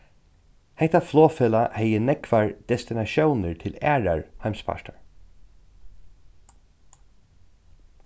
hetta flogfelag hevði nógvar destinatiónir til aðrar heimspartar